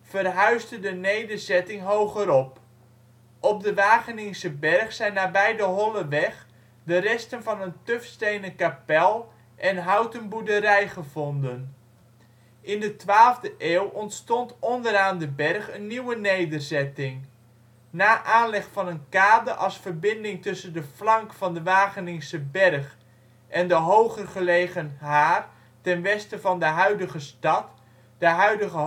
verhuisde de nederzetting hogerop; op de Wageningse Berg zijn nabij de Holleweg de resten van een tufstenen kapel en houten boerderijen gevonden. In de twaalfde eeuw ontstond onderaan de berg een nieuwe nederzetting. Na aanleg van een kade als verbinding tussen de flank van de Wageningse Berg en de hoger gelegen haar ten westen van de huidige stad, de huidige